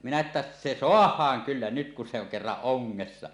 minä että se saadaan kyllä nyt kun se on kerran ongessa